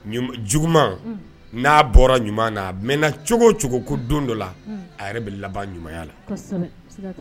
Ɲuman, jugu, un, n'a bɔra ɲuman na a mɛna cogo cogo, un , ko don dɔ la, un, a yɛrɛ bɛ laban ɲumanya la. Kosɛbɛ, siga t'a la.